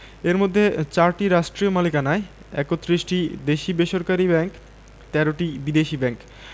এর মধ্যে ৪টি রাষ্ট্রীয় মালিকানায় ৩১টি দেশী বেসরকারি ব্যাংক ১৩টি বিদেশী ব্যাংক